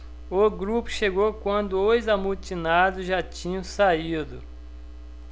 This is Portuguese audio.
o grupo chegou quando os amotinados já tinham saído